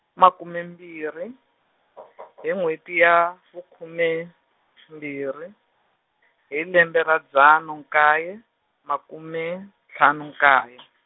makume mbirhi , hi n'wheti ya , vukhume, mbirhi, hi lembe ra dzana nkaye, makume, ntlhanu nkaye.